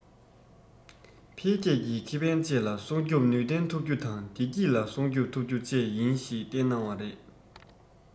འཕེལ རྒྱས ཀྱི ཁེ ཕན བཅས ལ སྲུང སྐྱོབ ནུས ལྡན ཐུབ རྒྱུ དང བདེ སྐྱིད ལ སྲུང སྐྱོབ ཐུབ རྒྱུ བཅས ཡིན ཞེས བསྟན གནང བ རེད